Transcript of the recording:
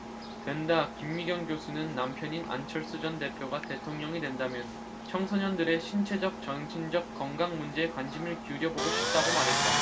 된다 김미경 교수는 남편인 안철수 전 대표가 대통령이 된다면 청소년들의 신체적 정신적 건강 문제에 관심을 기울여 보고 싶다고 말했다